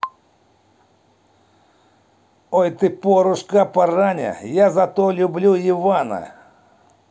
ох ты полюшка параня я за что люблю ивана